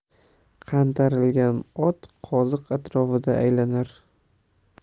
qantarilgan ot qoziq atrofida aylanar